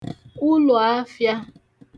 ulòafị̄ā